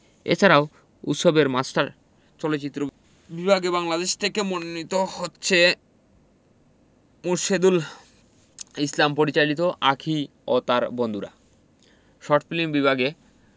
এছাড়াও উৎসবের মাস্টার চলচ্চিত্র বিভাগে বাংলাদেশ থেকে মনোনীত হচ্ছে মোরশেদুল ইসলাম পরিচালিত আঁখি ও তার বন্ধুরা শর্ট ফিল্ম বিভাগে